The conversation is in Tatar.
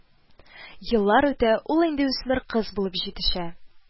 Еллар үтә, ул инде үсмер кыз булып җитешә